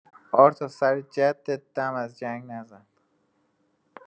آرتا سر جدت دم از جنگ نزن